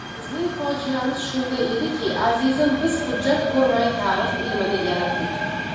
bizning fojiamiz shunda ediki azizim biz hujjat ko'rmay tarix ilmini yaratdik